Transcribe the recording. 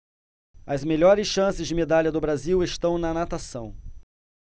as melhores chances de medalha do brasil estão na natação